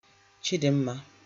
Chidimma